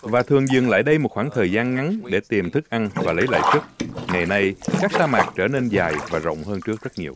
và thường dừng lại đây một khoảng thời gian ngắn để tìm thức ăn và lấy lại sức ngày nay các sa mạc trở nên dài và rộng hơn trước rất nhiều